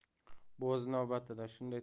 bu o'z navbatida shunday